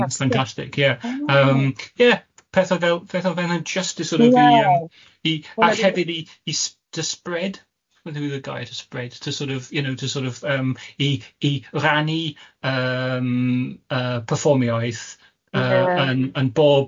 Ie, pethau fel, pethau fel yn jyst i sort of i... Ie. ...yy i a hefyd i i s- to spread, I don't know what the gair is to spread, to sort of, you know, to sort of yym i i rannu yym yy perfformiaeth... Ie. ...yy yn yn bob,